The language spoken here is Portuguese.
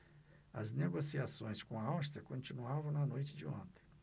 as negociações com a áustria continuavam na noite de ontem